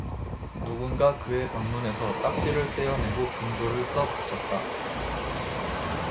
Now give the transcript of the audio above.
누군가 그의 방문에서 딱지를 떼어내고 근조를 써 붙였다